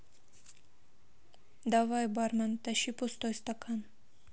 давай бармен тащи пустой стакан